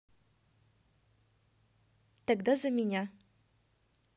тогда за меня